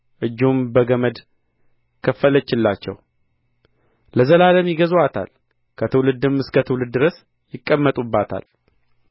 እጁም በገመድ ከፈለችላቸው ለዘላለም ይገዙአታል ከትውልድም እስከ ትውልድ ድረስ ይቀመጡባታል